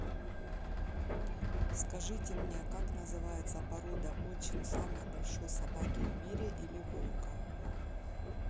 скажите мне как называется порода очень самой большой собаки в мире или волка